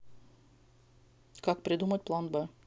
как придумать план б